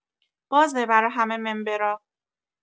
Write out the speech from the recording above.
بازه برا همه ممبرا